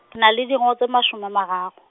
ke na le dingo- tse masoma a mararo.